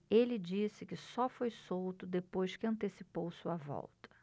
ele disse que só foi solto depois que antecipou sua volta